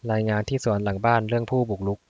รายงานที่สวนหลังบ้านเรื่องผู้บุกรุก